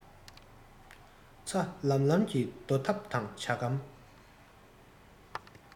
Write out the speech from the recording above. ཚ ལམ ལམ གྱི རྡོ ཐབ དང ཇ སྒམ